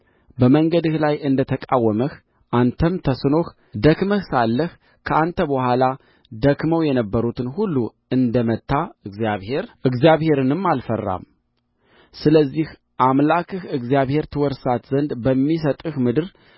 በመንገድ ላይ እንደ ተቃወመህ አንተም ተስኖህ ደክመህም ሳለህ ከአንተ በኋላ ደክመው የነበሩትን ሁሉ እንደ መታ እግዚአብሔርንም አልፈራም ስለዚህ አምላክህ እግዚአብሔር ትወርሳት ዘንድ በሚሰጥህ ምድር